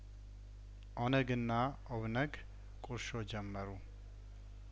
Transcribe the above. ኦነግና ኦብነግ ቁርሾ ጀመሩ